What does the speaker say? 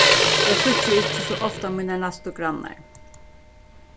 eg síggi ikki so ofta mínar næstu grannar